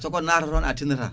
so kon naata toon a tinata